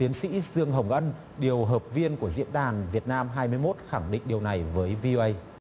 tiến sĩ dương hồng ân điều hợp viên của diễn đàn việt nam hai mươi mốt khẳng định điều này với vi ô ây